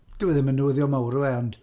Dyw e ddim yn newyddion mawr yw e, ond...